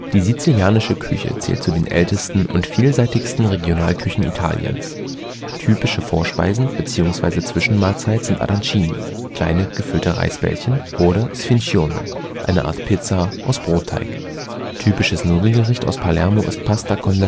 Die sizilianische Küche zählt zu den ältesten und vielseitigsten Regionalküchen Italiens. Typische Vorspeise, beziehungsweise Zwischenmahlzeit sind Arancini, kleine gefüllte Reisbällchen, oder Sfincione, eine Art Pizza aus Brotteig. Typisches Nudelgericht aus Palermo ist Pasta con